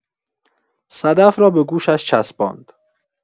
صدف را به گوشش چسباند.